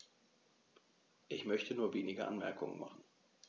Ich möchte nur wenige Anmerkungen machen.